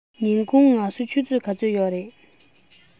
ཉིན གུང ངལ གསོ ཆུ ཚོད ག ཚོད ཡོད རས